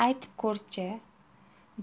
aytib ko'r chi